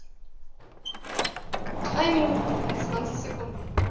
3 Minuten und 20 Sekunden